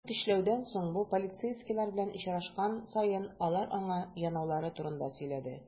Ул, көчләүдән соң, бу полицейскийлар белән очрашкан саен, алар аңа янаулары турында сөйләде.